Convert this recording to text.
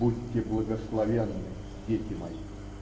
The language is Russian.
Будьте благословенны, дети мои.